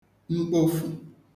mkpofù